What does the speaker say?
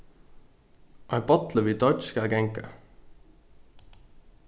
ein bolli við deiggj skal ganga